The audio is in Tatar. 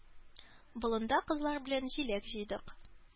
Болында кызлар белән җиләк җыйдык.